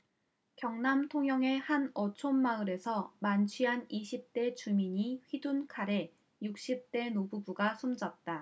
경남 통영의 한 어촌마을에서 만취한 이십 대 주민이 휘둔 칼에 육십 대 노부부가 숨졌다